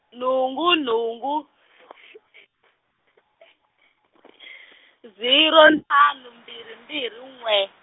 nhungu nhungu , ziro ntlhanu mbirhi mbirhi n'we.